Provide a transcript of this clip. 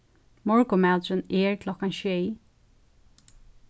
morgunmaturin er klokka sjey